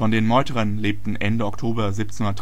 den Meuterern lebten Ende Oktober 1793